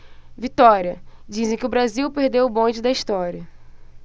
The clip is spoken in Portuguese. vitória dizem que o brasil perdeu o bonde da história